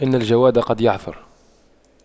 إن الجواد قد يعثر